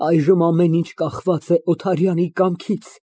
Այժմ ամեն ինչ կախված է Օթարյանի կամքից։